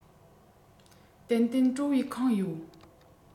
ཏན ཏན སྤྲོ བས ཁེངས ཡོད